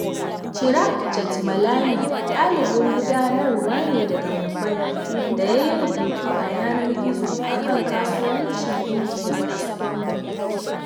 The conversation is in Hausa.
Chirag Jethmalami ɗalibin gudanarwa ne daga Mumbai da ya yi rubutu a yanar gizo akan kasuwancin India a Squamble.